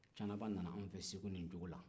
canaba nana anw fɛ yan segu nin cogo la